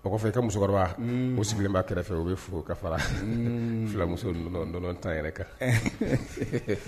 O kɔfɛ i ka musokɔrɔba muso sigilenba kɛrɛfɛ o bɛ fɔ ka farara filamuso tan yɛrɛ kan